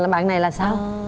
bạn này là sao